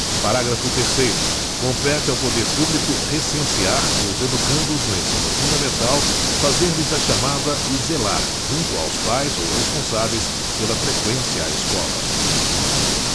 parágrafo terceiro compete ao poder público recensear os educandos no ensino fundamental fazer lhes a chamada e zelar junto aos pais ou responsáveis pela freqüência à escola